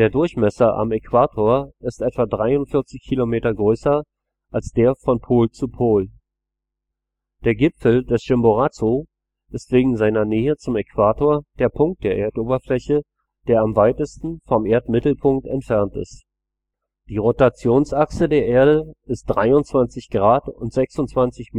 Durchmesser am Äquator ist etwa 43 km größer als der von Pol zu Pol. Der Gipfel des Chimborazo ist wegen seiner Nähe zum Äquator der Punkt der Erdoberfläche, der am weitesten vom Erdmittelpunkt entfernt ist. Die Rotationsachse der Erde ist 23°26